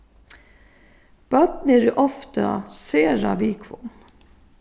børn eru ofta sera viðkvom